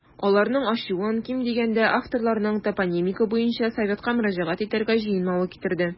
Аларның ачуын, ким дигәндә, авторларның топонимика буенча советка мөрәҗәгать итәргә җыенмавы китерде.